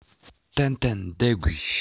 ཏན ཏན འདེབས དགོས